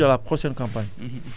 en vu de la prochaine campagne